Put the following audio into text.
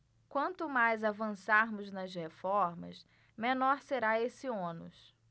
quanto mais avançarmos nas reformas menor será esse ônus